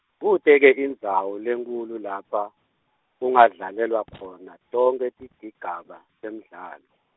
kute-ke indzawo lenkhulu lapha, kungadlalelwa khona tonkhe tigigaba, temdlalo.